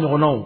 ɲɔgɔnw